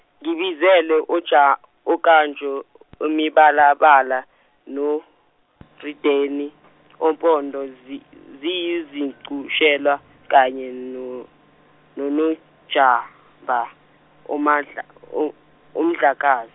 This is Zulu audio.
ngibizele otsha- Okanjo, omibalabala, no- Rideni, opondo, zi- ziyizinchushela kanye no- noNojaba, omandla- umdlakazi.